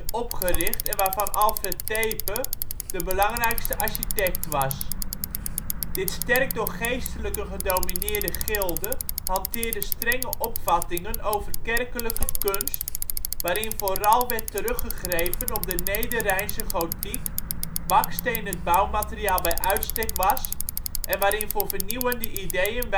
opgericht en waarvan Alfred Tepe de belangrijkste architect was. Dit sterk door geestelijken gedomineerde gilde hanteerde strenge opvattingen over kerkelijke kunst, waarin vooral werd teruggegrepen op de Nederrijnse gotiek, baksteen het bouwmateriaal bij uitstek was en waarin voor vernieuwende ideeën